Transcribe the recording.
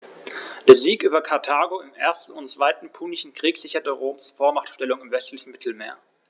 Der Sieg über Karthago im 1. und 2. Punischen Krieg sicherte Roms Vormachtstellung im westlichen Mittelmeer.